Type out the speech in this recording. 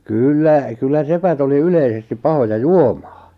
kyllä kyllä sepät oli yleisesti pahoja juomaan